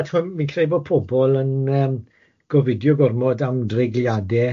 A timod fi'n credu bod pobol yn yym gofidio gormod am dreigliade